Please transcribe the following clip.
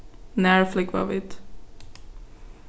nær flúgva vit